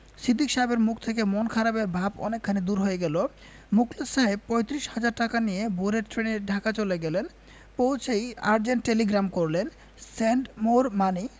সিদ্দিক সাহেবের মুখ থেকে মন খারাপের ভাব অনেকখানি দূর হয়ে গেল মুখলেস সাহেব পয়ত্রিশ হাজার টাকা নিয়ে ভোরের ট্রেনে ঢাকা চলে গেলেন পৌছেই আর্জেন্ট টেলিগ্রাম করলেন সেন্ড মোর মানি